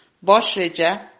bosh reja